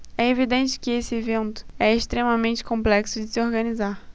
é evidente que este evento é extremamente complexo de se organizar